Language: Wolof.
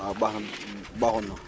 waaw baax na baaxoon na